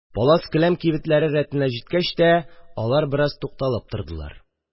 Палас-келәм кибетләре рәтенә җиткәч тә алар бераз тукталып тордылар.